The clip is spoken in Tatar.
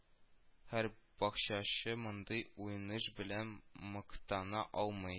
Һәр бакчачы мондый уңыш белән мактана алмый